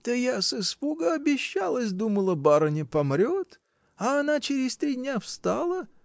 — Да я с испуга обещалась, думала, барыня помрет. А она через три дня встала.